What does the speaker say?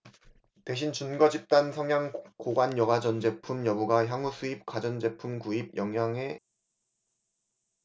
대신 준거집단 성향 고관여가전제품 여부가 향후수입 가전제품 구입 의향에 영향을 미쳤다